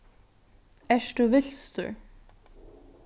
ert tú vilstur